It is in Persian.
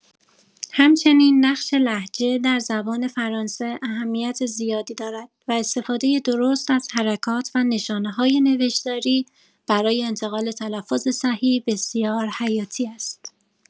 همچنین نقش لهجه در زبان فرانسه اهمیت زیادی دارد و استفاده درست از حرکات و نشانه‌های نوشتاری برای انتقال تلفظ صحیح بسیار حیاتی است.